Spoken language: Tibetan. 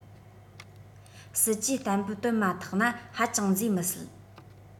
སྲིད ཇུས གཏན འབེབས བཏོན མ ཐག ན ཧ ཅང མཛེས མི སྲིད